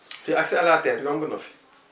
fii accès à la terre yomb na fi